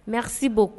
Mɛ sibo